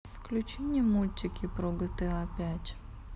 включи мне мультики про гта пять